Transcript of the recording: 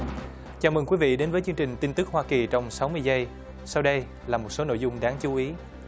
chào mừng quý vị đến với chương trình tin tức hoa kỳ trong sáu mươi giây sau đây là một số nội dung đáng chú ý